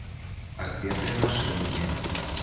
отпетые мошенники